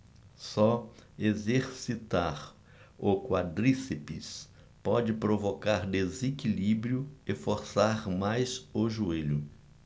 só exercitar o quadríceps pode provocar desequilíbrio e forçar mais o joelho